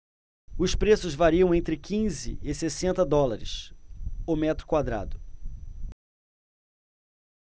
os preços variam entre quinze e sessenta dólares o metro quadrado